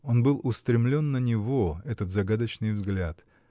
Он был устремлен на него, этот загадочный взгляд.